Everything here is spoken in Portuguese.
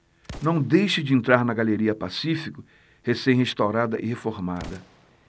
não deixe de entrar na galeria pacífico recém restaurada e reformada